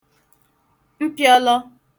mpị̄ọ̄lọ̄